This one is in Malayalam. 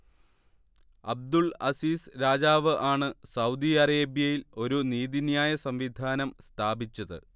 അബ്ദുൾ അസീസ് രാജാവ് ആണ് സൗദി അറേബ്യയിൽ ഒരു നീതിന്യായ സംവിധാനം സ്ഥാപിച്ചത്